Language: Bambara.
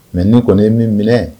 Mɛ nin kɔni ye min minɛ